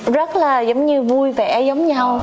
rất là giống như vui vẻ giống nhau